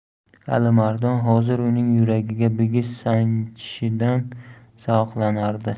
alimardon hozir uning yuragiga bigiz sanchishidan zavqlanardi